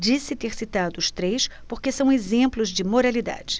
disse ter citado os três porque são exemplos de moralidade